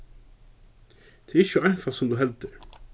tað er ikki so einfalt sum tú heldur